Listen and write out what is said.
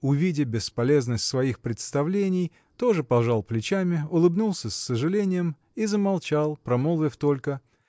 увидя бесполезность своих представлений тоже пожал плечами улыбнулся с сожалением и замолчал промолвив только